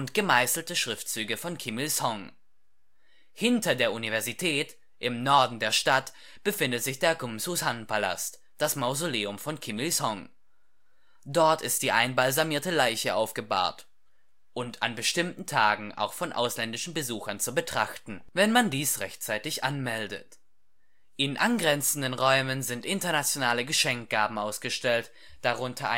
gemeißelte Schriftzüge von Kim Il Sung. Hinter der Universität, im Norden der Stadt, befindet sich der Kumsusan-Palast, das Mausoleum von Kim Il Sung. Dort ist die einbalsamierte Leiche aufgebahrt und an bestimmten Tagen auch von ausländischen Besuchern zu betrachten, wenn man dies rechtzeitig anmeldet. In angrenzenden Räumen sind internationale Geschenkgaben ausgestellt, darunter